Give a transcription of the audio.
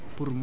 dëgg la